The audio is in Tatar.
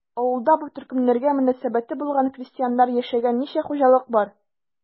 Авылда бу төркемнәргә мөнәсәбәте булган крестьяннар яшәгән ничә хуҗалык бар?